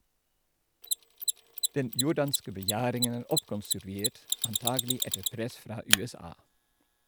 Den jordanske begjæringen er oppkonstruert, antagelig etter press fra USA.